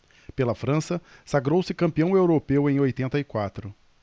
pela frança sagrou-se campeão europeu em oitenta e quatro